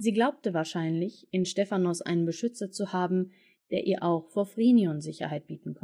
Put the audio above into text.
glaubte wahrscheinlich, in Stephanos einen Beschützer zu haben, der ihr auch vor Phrynion Sicherheit bieten